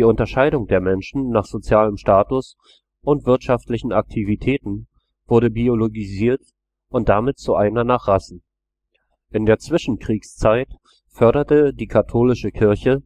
Unterscheidung der Menschen nach sozialem Status und wirtschaftlichen Aktivitäten wurde biologisiert und damit zu einer nach Rassen. In der Zwischenkriegszeit förderte die Katholische Kirche